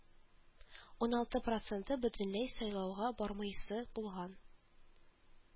Уналты проценты бөтенләй сайлауга бармыйсы булган